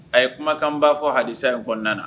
A ye kumakan'a fɔ halisa in kɔnɔna na